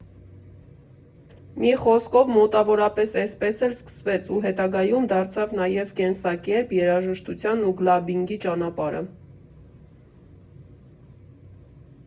Մի խոսքով, մոտավորապես էսպես էլ սկսվեց ու հետագայում դարձավ նաև կենսակերպ՝ երաժշտության ու քլաբբինգի ճանապարհը։